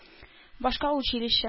Башка училище